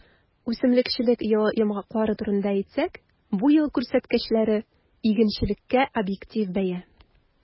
Үсемлекчелек елы йомгаклары турында әйтсәк, бу ел күрсәткечләре - игенчелеккә объектив бәя.